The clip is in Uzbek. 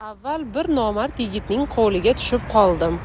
avval bir nomard yigitning qo'liga tushib qoldim